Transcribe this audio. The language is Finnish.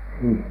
niin